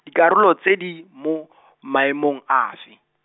dikarolo tse di, mo , maemong afe?